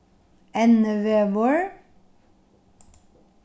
ennivegur